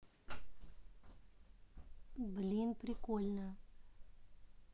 блин прикольно